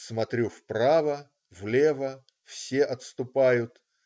Смотрю вправо, влево - все отступают.